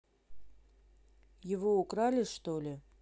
его украли что ли